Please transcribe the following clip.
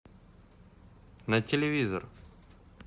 на телевизор